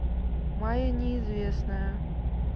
майя неизвестная